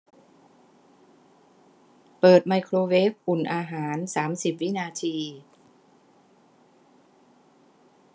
เปิดไมโครเวฟอุ่นอาหารสามสิบวินาที